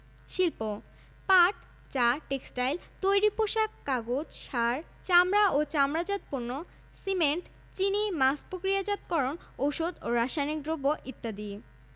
শিল্পঃ পাট চা টেক্সটাইল তৈরি পোশাক কাগজ সার চামড়া ও চামড়াজাত পণ্য সিমেন্ট চিনি মাছ প্রক্রিয়াজাতকরণ ঔষধ ও রাসায়নিক দ্রব্য ইত্যাদি